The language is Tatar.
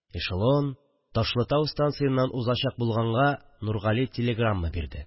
Эшелон Ташлытау станциеннан узачак булганга, Нургали телеграмма бирде